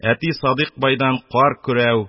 Әти садыйк байдан кар көрәү,